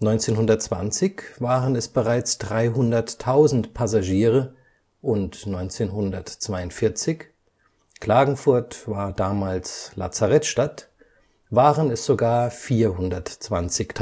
1920 waren es bereits 300.000 Passagiere, und 1942 – Klagenfurt war damals Lazarettstadt – waren es sogar 420.000